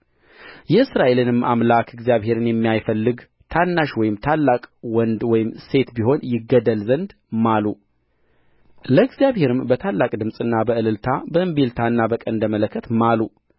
የእስራኤልንም አምላክ እግዚአብሔርን የማይፈልግ ታናሽ ወይም ታላቅ ወንድ ወይም ሴት ቢሆን ይገደል ዘንድ ማሉ ለእግዚአብሔርም በታላቅ ድምፅና በእልልታ በእምቢልታና በቀንደ መለከት ማሉ